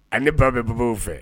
Ani baba bɛ baba fɛ